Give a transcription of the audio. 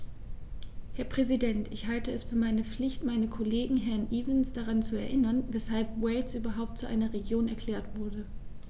Herr Präsident, ich halte es für meine Pflicht, meinen Kollegen Herrn Evans daran zu erinnern, weshalb Wales überhaupt zu einer Region erklärt wurde.